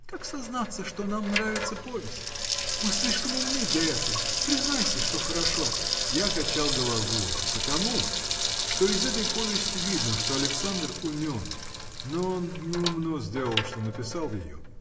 Как сознаться, что нам нравится повесть! мы слишком умны для этого. Признайся, что хорошо. – Я качал головой потому что и из этой повести видно что Александр умен но он неумно сделал что написал ее.